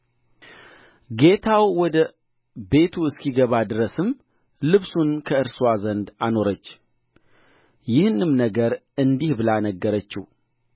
እኔም ድምፄን ከፍ አድርጌ ስጮኽ ልብሱን በእጄ ተወና ወደ ውጭ ሸሸ